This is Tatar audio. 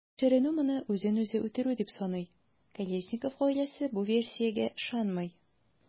Тикшеренү моны үзен-үзе үтерү дип саный, Колесников гаиләсе бу версиягә ышанмый.